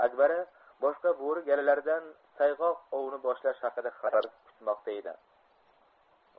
akbara boshqa bo'ri galalaridan sayg'oq ovini boshlash haqida xabar qutmoqda edi